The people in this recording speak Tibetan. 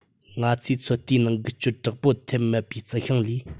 ང ཚོས ཚོད ལྟའི ནང འགུལ སྐྱོད དྲག པོ ཐེབས མེད པའི རྩི ཤིང ལས